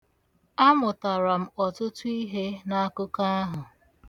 Amụtara m ọtụtụ ihe n'akụkọ ahụ.